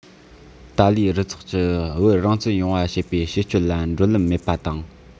ཏཱ ལའི རུ ཚོགས ཀྱི བོད རང བཙན ཡོང བ བྱེད པའི བྱེད སྤྱོད ལ འགྲོ ལམ མེད པ དང